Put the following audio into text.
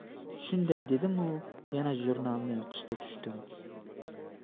shunday dedimu yana jurnalni o'qishga tushdim